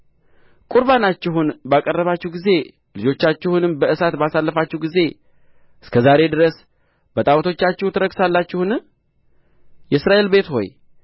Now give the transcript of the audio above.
ቍርባናችሁን ባቀረባችሁ ጊዜ ልጆቻችሁንም በእሳት ባሳለፋችሁ ጊዜ እስከ ዛሬ ድረስ በጣዖቶቻችሁ ትረክሳላችሁን የእስራኤል ቤት ሆይ ከእናንተስ ዘንድ እጠየቃለሁን እኔ ሕያው ነኛና